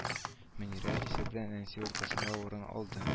Мөнирә әтисе белән әнисе уртасында урын алды